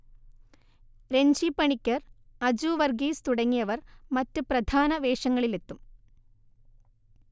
രൺജി പണിക്കർ, അജു വർഗ്ഗീസ് തുടങ്ങിയവർ മറ്റ്പ്രധാന വേഷങ്ങളിലെത്തും